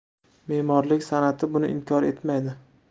memorlik sanati buni inkor etmaydi